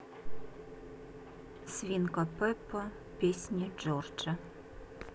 свинка пеппа песни джорджа